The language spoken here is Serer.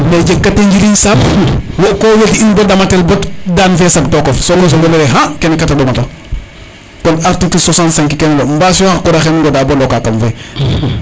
mais jeg kate njiriñ saam wo ko wed in bo dama tel bo daan fe sag tokof sokoy o soga leye xa kene kata ɗomata kon article 65 kene leyu mbaas yo xa qura xen ngoda bon doka kam fe